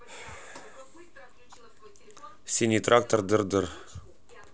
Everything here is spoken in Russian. синий трактор дыр дыр